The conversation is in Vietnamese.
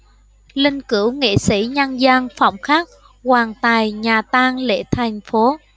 linh cữu nghệ sỹ nhân dân phạm khắc quàn tại nhà tang lễ thành phố